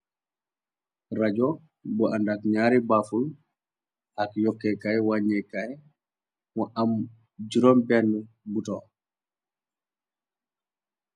Rajo bu àndak ñaari baaful ak yokkekaay wàññekaay mu am 6 buto.